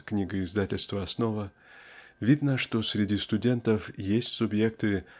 К<нигоиздательст>во "Основа") видно что среди студентов есть субъекты